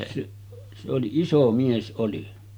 se se oli iso mies oli